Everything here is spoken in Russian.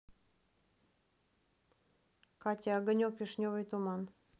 катя огонек вишневый туман